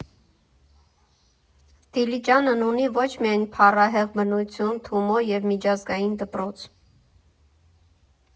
Դիլիջանն ունի ոչ միայն փառահեղ բնություն, Թումո և միջազգային դպրոց։